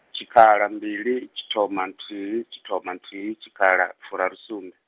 tshikhala mbili, tshithoma nthihi, tshithoma nthihi tshikhala, vhuraru sumbe.